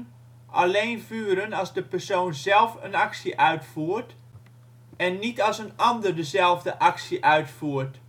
alleen vuren als de persoon zelf een actie uitvoert en niet als een ander dezelfde actie uitvoert